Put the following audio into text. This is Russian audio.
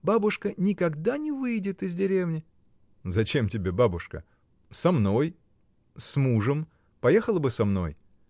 Бабушка никогда не выедет из деревни. — Зачем тебе бабушка? Со мной. с мужем. Поехала бы со мной?